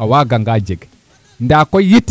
a waaganga jeg ndaa koy yit